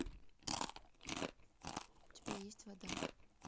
у тебя есть вода